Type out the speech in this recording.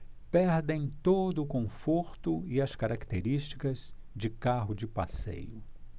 perdem todo o conforto e as características de carro de passeio